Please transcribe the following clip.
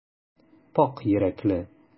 Пакь йөрәкле.